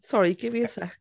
Sorry, give me a sec.